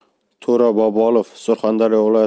to'ra bobolov surxondaryo